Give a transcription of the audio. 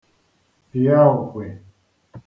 pịa òkwè